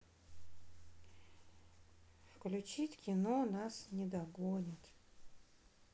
включить кино нас не догонят